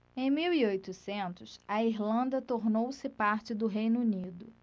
em mil e oitocentos a irlanda tornou-se parte do reino unido